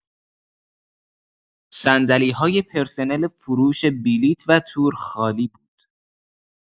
صندلی‌های پرسنل فروش بلیت و تور خالی بود.